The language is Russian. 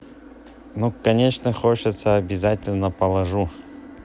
ну конечно хочу обязательно положу